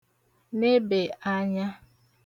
nebè anya